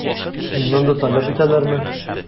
Чыннан да таләп итәләрме?